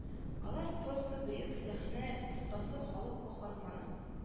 Алар просто бөек сәхнә остасы халык каһарманы